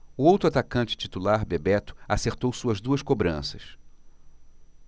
o outro atacante titular bebeto acertou suas duas cobranças